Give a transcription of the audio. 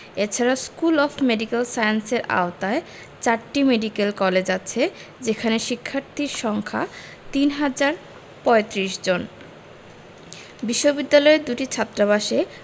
এছাড়া school of medical সায়েন্সের আওতায় চারটি মেডিক্যাল কলেজ আছে যেখানে শিক্ষার্থীর সংখ্যা ৩ হাজার ৩৫ জন বিশ্ববিদ্যালয়ের দুটি ছাত্রাবাসে